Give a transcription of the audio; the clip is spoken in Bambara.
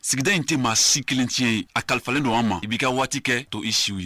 Sigida in tɛ maa si kelen tiɲɛ ye a kalifalen don an ma i b'i ka waati kɛ to i si ye